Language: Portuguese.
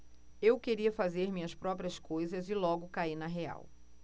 eu queria fazer minhas próprias coisas e logo caí na real